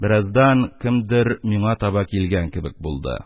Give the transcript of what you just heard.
Бераздан кемдер миңа таба килгән кебек булды.